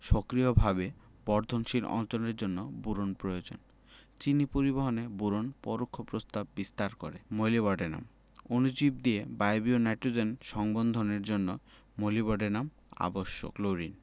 সক্রিয়ভাবে বর্ধনশীল অঞ্চলের জন্য বোরন প্রয়োজন চিনি পরিবহনে বোরন পরোক্ষ প্রভাব বিস্তার করে মোলিবডেনাম অণুজীব দিয়ে বায়বীয় নাইট্রোজেন সংবন্ধনের জন্য মোলিবডেনাম আবশ্যক ক্লোরিন